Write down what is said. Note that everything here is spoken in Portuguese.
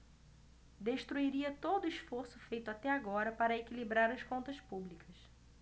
destruiria todo esforço feito até agora para equilibrar as contas públicas